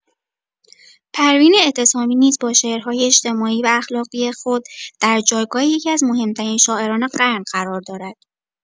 پروین اعتصامی نیز با شعرهای اجتماعی و اخلاقی خود در جایگاه یکی‌از مهم‌ترین شاعران قرن قرار دارد.